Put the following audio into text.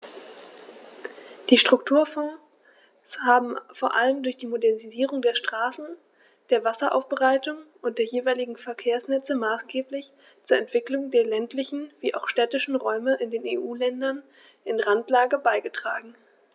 Die Strukturfonds haben vor allem durch die Modernisierung der Straßen, der Wasseraufbereitung und der jeweiligen Verkehrsnetze maßgeblich zur Entwicklung der ländlichen wie auch städtischen Räume in den EU-Ländern in Randlage beigetragen.